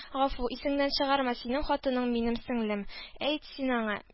— гафу... исеңнән чыгарма, синең хатының — минем сеңлем. әйт син аңа